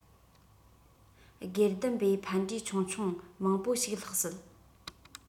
སྒེར སྡེམ བའི ཕན འབྲས ཆུང ཆུང མང པོ ཞིག ལྷག སྲིད